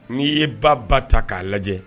N'i ye ba ba ta k'a lajɛ